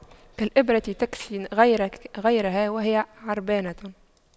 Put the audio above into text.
كالإبرة تكسي غيرها وهي عريانة